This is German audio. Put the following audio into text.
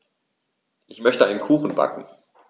Ich möchte einen Kuchen backen.